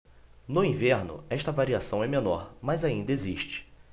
no inverno esta variação é menor mas ainda existe